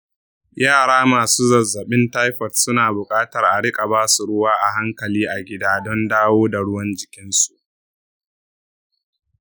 yara masu zazzabin taifot suna buƙatar a riƙa ba su ruwa a hankali a gida don dawo da ruwan jiki.